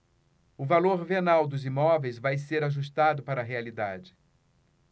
o valor venal dos imóveis vai ser ajustado para a realidade